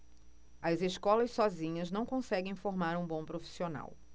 as escolas sozinhas não conseguem formar um bom profissional